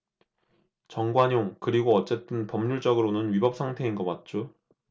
정관용 그리고 어쨌든 법률적으로는 위법 상태인 거 맞죠